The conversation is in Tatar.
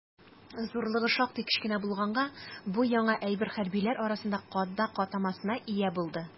Зурлыгы шактый кечкенә булганга, бу яңа әйбер хәрбиләр арасында «кадак» атамасына ия булды.